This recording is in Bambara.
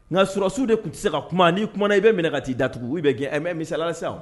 Nka surasiw de tun se ka kuma ni'i kuma i bɛ minɛ ka t'i daugu' bɛ misala sa